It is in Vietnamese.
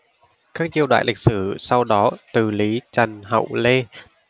các triều đại lịch sử sau đó từ lý trần hậu lê